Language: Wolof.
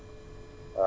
dëgg la